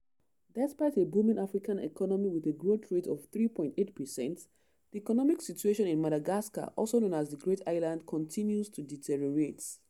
Despite a booming African economy with a growth rate of 3.8 percent, the economic situation in Madagascar, also known as the Great Island, continues to deteriorate.